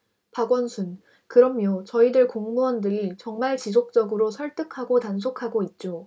박원순 그럼요 저희들 공무원들이 정말 지속적으로 설득하고 단속하고 있죠